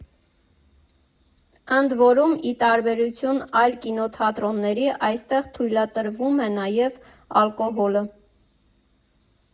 Ընդ որում, ի տարբերություն այլ կինոթատրոնների, այստեղ թույլատրվում է նաև ալկոհոլը։